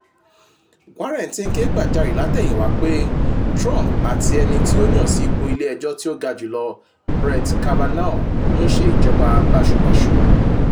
Warren ti ń ké gbàjarè látẹ̀yìnwá pé Trump àti ẹni tí ó yàn sípò ilé ẹjọ́ tí ó ga jù lọ Brett Kavanaugh ń ṣe ìjọba báṣubàṣu.